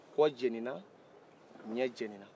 kɔ jenina ɲɛ jenina